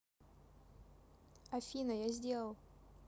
афина я сделал